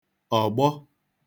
ọ̀gbọ